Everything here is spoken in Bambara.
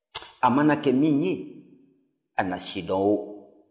a mana kɛ min ye a' na sidɔn o